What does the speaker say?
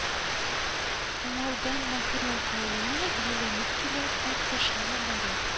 Тыңлаудан мәхрүм калуына ияләнеп килә, хәтта шуңа барып